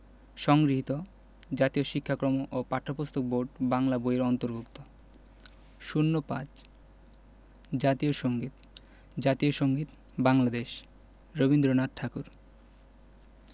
সংগৃহীত জাতীয় শিক্ষাক্রম ও পাঠ্যপুস্তক বোর্ড বাংলা বই এর অন্তর্ভুক্ত ০৫ জাতীয় সংগীত জাতীয় সংগীত বাংলাদেশ রবীন্দ্রনাথ ঠাকুর